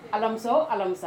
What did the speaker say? Alami alamisa